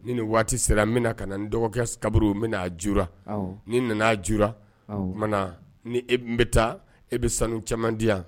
Ni nin waati sera n bena kana dɔgɔkɛ s kaburu n ben'a jura awɔ ni nan'a jura awɔ o kumanaa ni eb n be taa e be sanu caman di yan